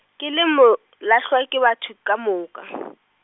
ke le molahlwakebatho ka moka.